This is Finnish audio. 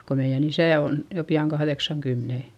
kun meidän isä on jo pian kahdeksankymmenen